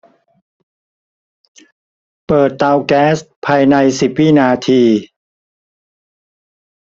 เปิดเตาแก๊สภายในสิบวินาที